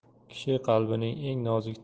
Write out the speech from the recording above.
kishi qalbining eng nozik